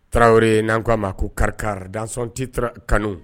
Tarawelewre ye n'an k ko a ma ko kari danti kanu